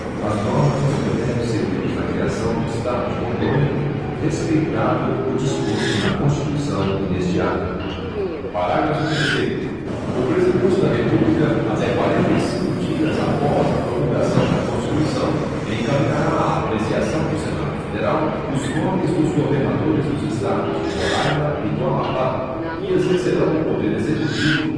as normas e os critérios seguidos na criação do estado de rondônia respeitado o disposto na constituição e neste ato parágrafo terceiro o presidente da república até quarenta e cinco dias após a promulgação da constituição encaminhará à apreciação do senado federal os nomes dos governadores dos estados de roraima e do amapá que exercerão o poder executivo